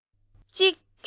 གཅིག ཁྱོད ཀྱིས ཁྱེར སོང